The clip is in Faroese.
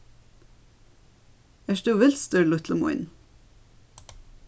ert tú vilstur lítli mín